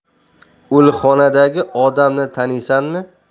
o'likxonadagi odamni taniysanmi